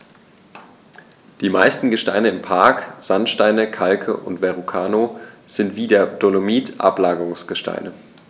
Die meisten Gesteine im Park – Sandsteine, Kalke und Verrucano – sind wie der Dolomit Ablagerungsgesteine.